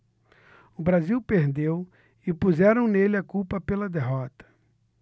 o brasil perdeu e puseram nele a culpa pela derrota